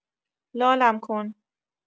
لالم کن